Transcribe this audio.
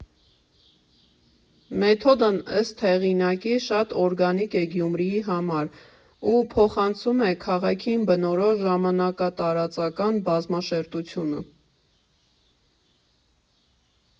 Մեթոդն ըստ հեղինակի շատ օրգանիկ է Գյումրիի համար, ու փոխանցում է քաղաքին բնորոշ ժամանակատարածական բազմաշերտությունը։